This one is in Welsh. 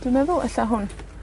Dwi'n meddwl ella hwn.